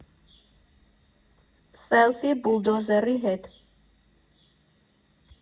Սելֆի բուլդոզերի հետ։